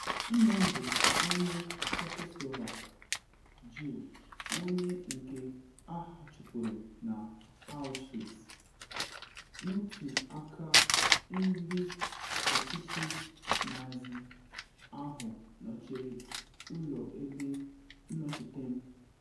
Nne m bụ onye Czechslovak Jew onye nke achụpụrụ na Auschwitz n’otu aka ndị ọchịchị Nazi ahụ nọchiri ụlọ ebe nnọchite m.